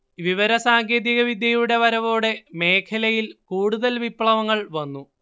വിവരസാങ്കേതികവിദ്യയുടെ വരവോടെ മേഖലയിൽ കൂടുതൽ വിപ്ലവങ്ങൾ വന്നു